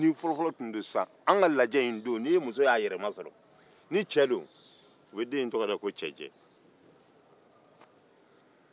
ni fɔlɔfɔlɔ tun don sisan ni muso y'a yɛrɛ sɔrɔ lajɛ in don a den bɛ weele ko cɛjɛ n'a kɛra cɛ ye